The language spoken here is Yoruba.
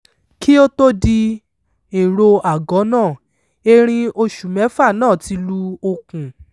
Kí ó tó di èròo àgọ́ náà, erin oṣù mẹ́fà náà ti lu okùn.